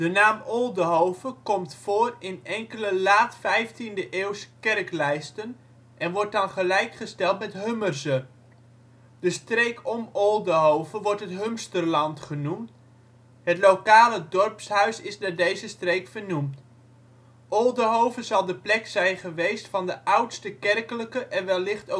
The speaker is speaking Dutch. naam Oldehove komt voor in enkele laat vijftiende-eeuwse kerklijsten en wordt dan gelijkgesteld met Hummerze. De streek om Oldehove wordt het Humsterland genoemd. Het lokale dorpshuis is naar deze streek vernoemd. Oldehove zal de plek zijn geweest van de oudste kerkelijke (en wellicht